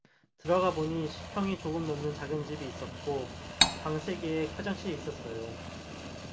들어가보니 십 평이 조금 넘는 작은 집이었고 방 세 개에 화장실이 있었어요